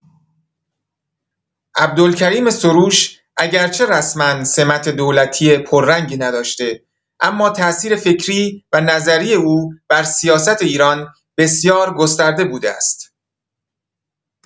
عبدالکریم سروش اگرچه رسما سمت دولتی پررنگی نداشته، اما تأثیر فکری و نظری او بر سیاست ایران بسیار گسترده بوده است.